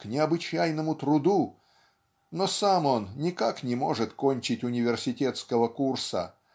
к необычайному ТРУДУ. но сам он никак не может кончить университетского курса